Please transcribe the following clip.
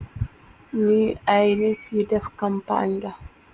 Li ay nitt yui def kampang la.